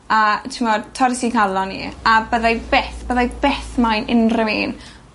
a ti'mod torres i'ng nghalon i a byddai byth byddai byth 'na i un rywun.